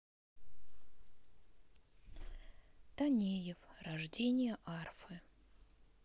танеев рождение арфы